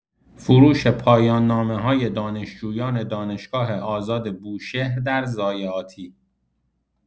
فروش پایان‌نامه‌های دانشجویان دانشگاه آزاد بوشهر در ضایعاتی!